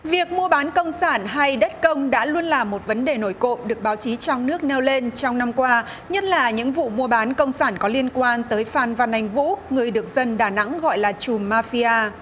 việc mua bán công sản hay đất công đã luôn là một vấn đề nổi cộm được báo chí trong nước nêu lên trong năm qua nhất là những vụ mua bán công sản có liên quan tới phan văn anh vũ người được dân đà nẵng gọi là trùm ma phi a